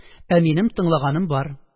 Ә минем тыңлаганым бар